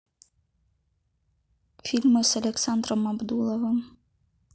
фильмы с александром абдуловым